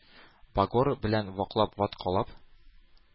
Багор белән ваклап, ваткалап,